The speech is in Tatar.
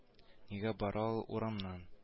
Нигә бара ул бу урамнан